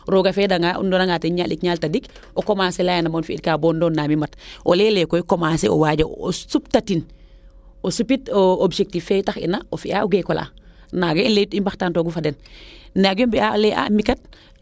rooga feeda nga o doona nga teen ñaal ndik ñal tadik o commencer leyaaye nam fi kaa boo ndoon na mi mat o leyele koy commencer o waaj o supta tin o supit obectif fee tax ina o fiya o geekola naga i leyu mbaxtaan toogu fa den naaga i mbiya leye a mi kat